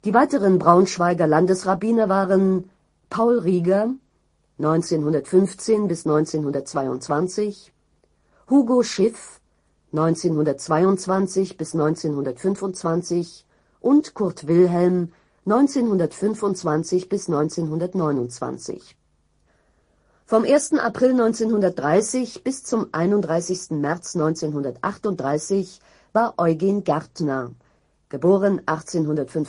weiteren Braunschweiger Landesrabbiner waren Paul Rieger (1915 – 1922), Hugo Schiff (1922 – 1925) und Kurt Wilhelm (1925 – 1929).. Vom 1. April 1930 bis zum 31. März 1938 war Eugen Gärtner (Geb. 1885; Gest. 1980) letzter